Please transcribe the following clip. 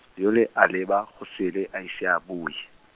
yole, a leba, go sele, a ise a bue.